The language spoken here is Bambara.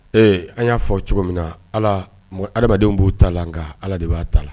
Ee an y'a fɔ cogo min na ala mɔgɔ adamadenw b'u ta la nka ala de b'a ta la